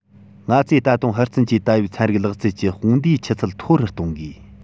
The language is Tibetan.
ང ཚོས ད དུང ཧུར བརྩོན གྱིས ད ཡོད ཚན རིག ལག རྩལ པའི དཔུང སྡེའི ཆུ ཚད མཐོ རུ གཏོང དགོས